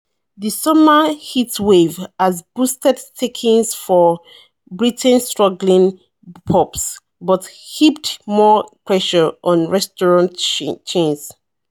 The summer heatwave has boosted takings for Britain's struggling pubs but heaped more pressure on restaurant chains.